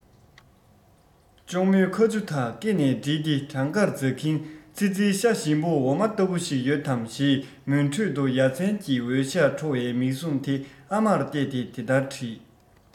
གཅུང མོའི ཁ ཆུ དག སྐེ ནས གྲིལ ཏེ བྲང ཁར འཛག གིན ཙི ཙིའི ཤ ཞིམ པོ འོ མ ལྟ བུ ཞིག ཡོད དམ ཞེས མུན ཁྲོད དུ ཡ མཚན གྱི འོད ཞགས འཕྲོ བའི མིག ཟུང དེ ཨ མར གཏད དེ དེ ལྟར དྲིས